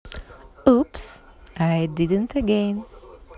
oops i didnt again